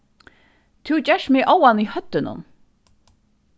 tú gert meg óðan í høvdinum